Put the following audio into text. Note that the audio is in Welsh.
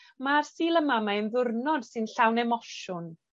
ma'r Sul y Mamau yn ddwrnod sy'n llawn emosiwn